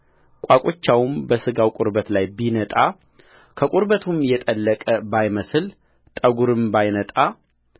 ቋቁቻውም በሥጋው ቁርበት ላይ ቢነጣ ከቁርበቱም የጠለቀ ባይመስል ጠጕሩም ባይነጣ